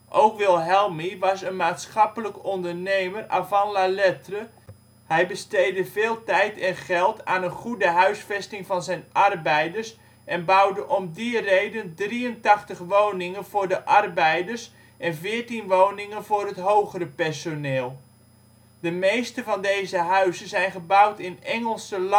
Ook Wilhelmi was een maatschappelijk ondernemer avant la lettre. Hij besteedde veel tijd en geld aan een goede huisvesting van zijn arbeiders en bouwde om die reden 83 woningen voor de arbeiders en 14 woningen voor het hogere personeel. De meeste van deze huizen zijn gebouwd in Engelse landhuisstijl